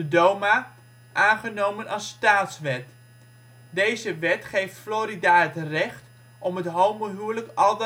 DOMA) aangenomen als staatswet. Deze wet geeft Florida het recht om het homohuwelijk al